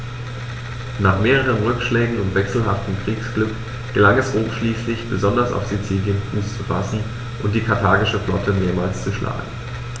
Nach mehreren Rückschlägen und wechselhaftem Kriegsglück gelang es Rom schließlich, besonders auf Sizilien Fuß zu fassen und die karthagische Flotte mehrmals zu schlagen.